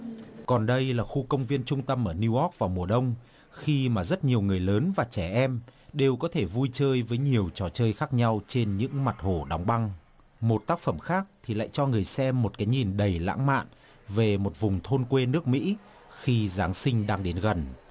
còn đây là khu công viên trung tâm ở niu oóc vào mùa đông khi mà rất nhiều người lớn và trẻ em đều có thể vui chơi với nhiều trò chơi khác nhau trên những mặt hồ đóng băng một tác phẩm khác thì lại cho người xem một cái nhìn đầy lãng mạn về một vùng thôn quê nước mỹ khi giáng sinh đang đến gần